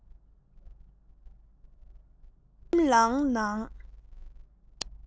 ཕ ཁྱིམ ལའང ནང